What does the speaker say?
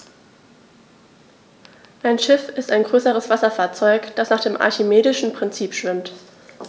Ein Schiff ist ein größeres Wasserfahrzeug, das nach dem archimedischen Prinzip schwimmt.